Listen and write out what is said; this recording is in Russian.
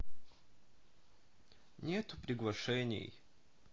нету приглашений